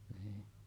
niin